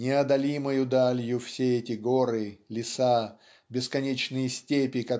неодолимою далью все эти горы леса бесконечные степи